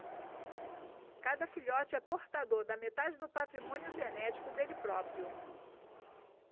cada filhote é portador da metade do patrimônio genético dele próprio